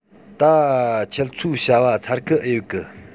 ད ཁྱེད ཆོའི བྱ བ ཚར གི ཨེ ཡོད གི